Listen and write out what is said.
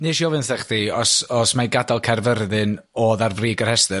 Nesi ofyn 'tha chdi os, os mai gadael Caerfyrddin o'dd ar frig y rhestr